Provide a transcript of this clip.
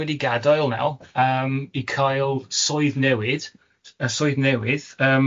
wedi gadael nawr yym i cael swydd newid, yy swydd newydd yym